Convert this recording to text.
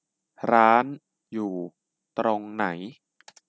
ร้านอยู่ตรงไหน